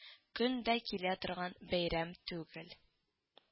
— көн дә килә торган бәйрәм түгел